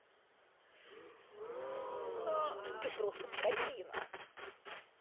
да ты просто скотина